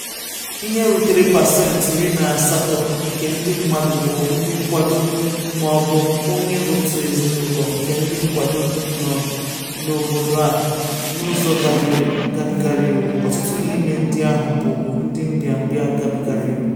“Ihe rutere pasentị 80 nke ndị mmadụ bụ ndị nkwado ma ọ bụ onye otu ezinụlọ nke ndị nkwado nọ n’obodo a n’ụzọ gabigara iwu, ọtụtụ n’ime ndị ahụ bụ ndị mbịambịa gabigara iwu.